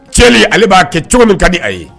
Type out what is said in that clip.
Cɛli ale b'a kɛ cogo min ka di a ye